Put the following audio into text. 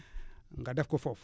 nga def ko foofu